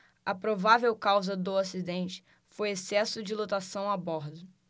a provável causa do acidente foi excesso de lotação a bordo